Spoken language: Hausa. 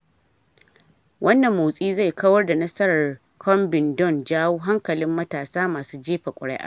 Wannan motsi zai kawar da nasarar Corbyn don jawo hankalin matasa masu jefa kuri'a